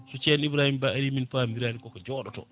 so ceerno Ibrahma Ba aari min pamodiarni koko joɗoto